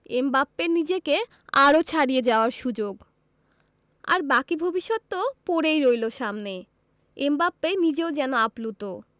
এমবাপ্পের নিজেকে আরও ছাড়িয়ে যাওয়ার সুযোগ আর বাকি ভবিষ্যৎ তো পড়েই রইল সামনে এমবাপ্পে নিজেও যেন আপ্লুত